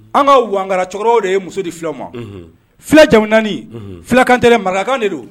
An ka wangara cɛkɔrɔbaw de ye muso di fulakɛw ma fula jamu naani, fulakan tɛ dɛ marakakan de don